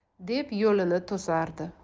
deb yo'lini to'sardi